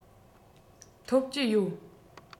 ཐོབ ཀྱི ཡོད